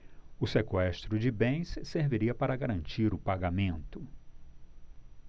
o sequestro de bens serviria para garantir o pagamento